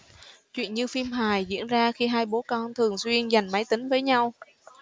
chuyện như phim hài diễn ra khi hai bố con thường xuyên giành máy tính với nhau